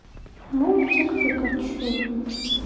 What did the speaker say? мультик пикачу